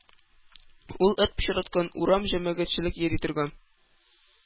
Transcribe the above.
— ул эт пычраткан урам җәмәгатьчелек йөри торган